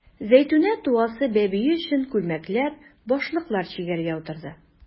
Зәйтүнә туасы бәбие өчен күлмәкләр, башлыклар чигәргә утырды.